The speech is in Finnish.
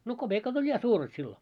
no kopeekat oli ja suuret silloin